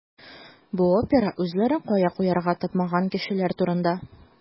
Бу опера үзләрен кая куярга тапмаган кешеләр турында.